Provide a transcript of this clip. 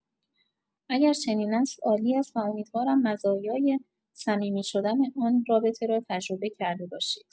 اگر چنین است، عالی است و امیدوارم مزایای صمیمی‌شدن آن رابطه را تجربه کرده باشید.